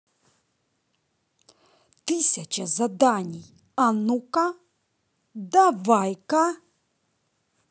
тысяча заданий а ну ка давай ка